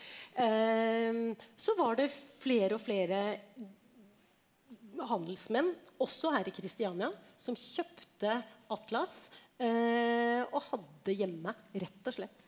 så var det flere og flere handelsmenn også her i Christiania som kjøpte atlas og hadde hjemme rett og slett.